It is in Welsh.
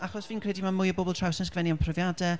Achos fi'n credu mae mwy o bobl traws yn ysgrifennu am profiadau.